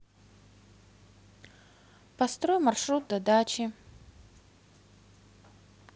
построй маршрут до дачи